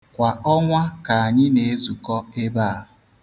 Kwa ọnwa ka anyị na-ezukọ ebe a.